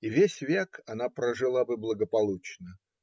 И весь век она прожила бы благополучно